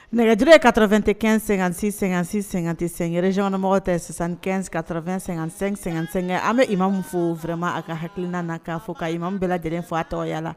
Nɛgɛjuru ye 95 56 56 55 région kɔnɔ mɔgɔw ta ye 75 80 55 55 an bɛ imam fo vraiment a ka hakilinan na, ka fo, ka imam bɛɛ lajɛlen fo a tɔgɔya la.